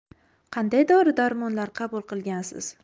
qanday dori darmonlar qabul qilgansiz